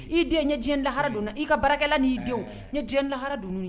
I den ɲɛ diɲɛ lahara don i ka barakɛla ni y'i denw ye diɲɛ lahara don ye